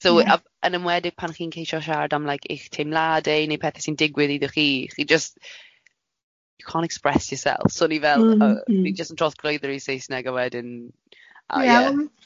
Ie. So a- yn enwedig pan chi'n ceisio siarad am like eich teimladeu neu pethau sy'n digwydd iddo chi, chi jyst you can't express yourself, so o'n i fel m-hm... M-hm. ...o'n i jyst yn troslwyddo i Saesneg a wedyn, a ie.